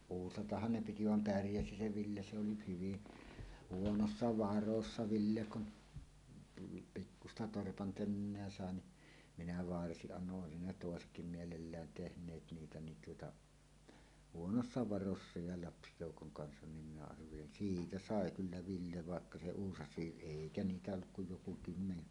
uusatahan ne piti vaan pärjäsi se Ville se oli hyvin huonoissa varoissa Ville kun tullut pikkuista torpan tönöä sai niin minä varsin annoin olisi ne toisetkin mielellään tehneet niitä niin tuota huonoissa varoissa ja lapsijoukon kanssa niin minä arvelin siitä sai kyllä Ville vaikka se uusaisi eikä niitä ollut kuin joku kymmenen